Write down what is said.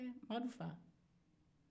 ee madu fa